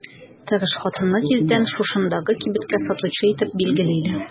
Тырыш хатынны тиздән шушындагы кибеткә сатучы итеп билгелиләр.